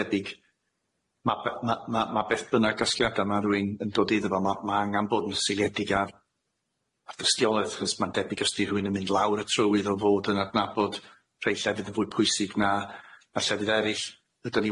debyg ma' be- ma' ma' ma' beth bynnag gasliada ma' rywun yn dod iddo fo ma' ma' angan bod yn seiliedig ar ar dystiolaeth ch'os ma'n debyg os di rywun yn mynd lawr y trywydd o fod yn adnabod rhei llefydd yn fwy pwysig na a llefydd erill ydyn ni